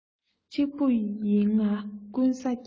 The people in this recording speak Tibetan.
གཅིག པུ ཡིན ང ཀུན ས རྒྱལ